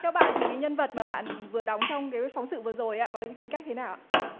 theo bạn thì nhân vật mà bạn vừa đóng trong cái phóng sự vừa rồi có những tính cách thế nào